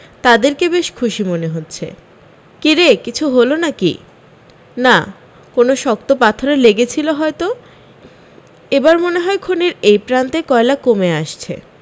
তাদেরকে বেশ খুশি মনে হচ্ছে কীরে কিছু হল নাকি না কোনো শক্ত পাথরে লেগেছিল হয়ত এবার মনে হয় খনির এইপ্রান্তে কয়লা কমে আসছে